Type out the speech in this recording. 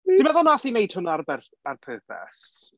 Ti'n meddwl wnaeth hi wneud hynna ar ber- purpose?